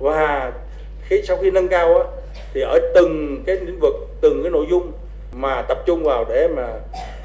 và cái sau khi nâng cao á thì ở từng cái lĩnh vực từng cái nội dung mà tập trung vào để mà